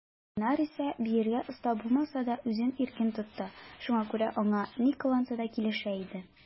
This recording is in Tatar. Линар исә, биергә оста булмаса да, үзен иркен тотты, шуңа күрә аңа ни кыланса да килешә иде.